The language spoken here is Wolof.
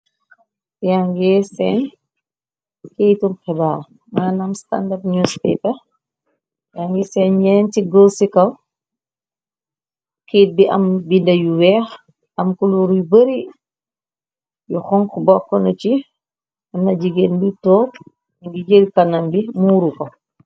Ya ngi seen kaytum xebal manam standard newspaper, ya ngi seen ñyinit goor ci kaw, kay bi am binda yu weex , am kulour yu bari , yu xonxo bokk na ci amna jigéen bi toop ingi jël kanam bi muuru ko.